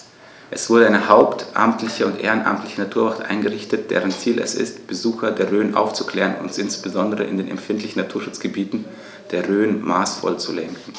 Es wurde eine hauptamtliche und ehrenamtliche Naturwacht eingerichtet, deren Ziel es ist, Besucher der Rhön aufzuklären und insbesondere in den empfindlichen Naturschutzgebieten der Rhön maßvoll zu lenken.